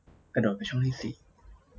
กระโดดไปสี่ช่อง